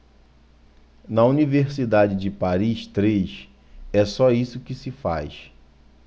na universidade de paris três é só isso que se faz